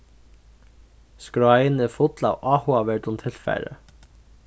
skráin er full av áhugaverdum tilfari